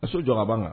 Ka jɔ a ban kan